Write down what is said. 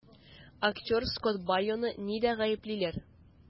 Актер Скотт Байоны нидә гаеплиләр?